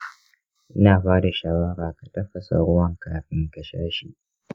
ina ba da shawara ka tafasa ruwan kafin ka sha shi.